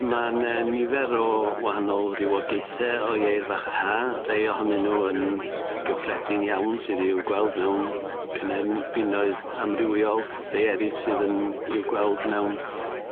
###ma' 'ne nifer o wahanol rywogaethe o Ieir Ffach yr Ha rei ohonyn n'w yn gyffredin iawn sydd i'w gweld mewn cynefinoedd amrywiol rhei eryll sydd yn i'w gweld mewn